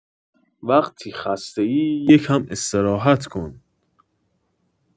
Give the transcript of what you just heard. وقتی خسته‌ای یه کم استراحت کن